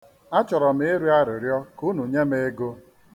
A chọrọ m ịrịọ arịrịọ ka unu nye m ego.